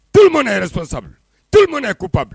Toma ne sɔ sabu to mana ne ko pabi